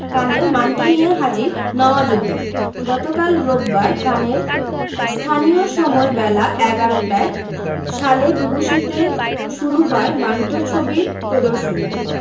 কানে মান্টো নিয়ে হাজির নওয়াজুদ্দিন গতকাল রোববার কানের স্থানীয় সময় বেলা ১১টায় সালে দুবুসিতে শুরু হয় মান্টো ছবির প্রদর্শনী